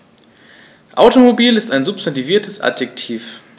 Automobil ist ein substantiviertes Adjektiv.